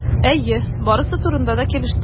Әйе, барысы турында да килештек.